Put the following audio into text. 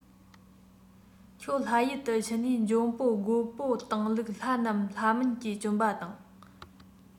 ཁྱོད ལྷ ཡུལ དུ ཕྱིན ནས འཇོན པོ རྒོས པོ བཏང ལུགས ལྷ རྣམས ལྷ མིན གྱིས བཅོམ པ དང